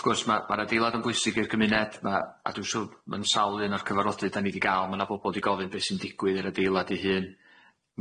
wrth gwrs ma' ma'r adeilad yn bwysig i'r gymuned ma', a dwi'n siŵr mewn sawl un o'r cyfarfodydd 'dan ni 'di ga'l ma' 'na bobol 'di gofyn be' sy'n digwydd i'r adeilad ei hun.